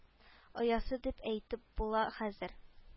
Оясы дип әйтеп була хәзер